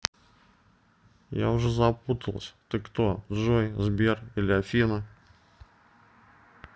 а я уже запуталась ты кто джой сбер или афина